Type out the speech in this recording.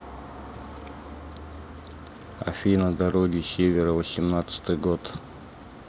афина дороги севера восемнадцатый год